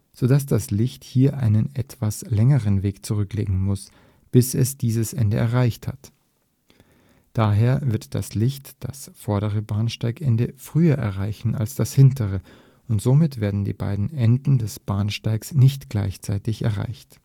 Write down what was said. sodass das Licht hier einen etwas längeren Weg zurücklegen muss, bis es dieses Ende erreicht hat. Daher wird das Licht das vordere Bahnsteigende früher erreichen als das hintere, und somit werden die beiden Enden des Bahnsteigs nicht gleichzeitig erreicht